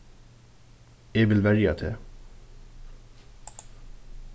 eg vil verja teg